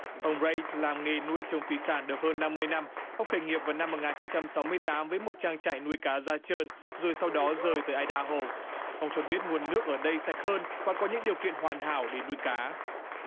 ông rây làm nghề nuôi trồng thủy sản được hơn năm mươi năm ông khởi nghiệp vào năm một ngàn chín trăm sáu mươi tám với một trang trại nuôi cá da trơn rồi sau đó dời tới ai đa hô ông cho biết nguồn nước ở đây sạch hơn và có những điều kiện hoàn hảo để nuôi cá